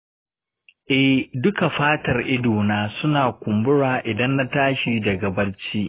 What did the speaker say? eh, duka fatar idona suna kumbura idan na tashi daga barci.